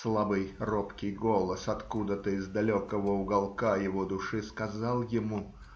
Слабый, робкий голос откуда-то из далекого уголка его души сказал ему